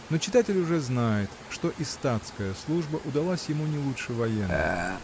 Но читатель уже знает, что и статская служба удалась ему не лучше военной.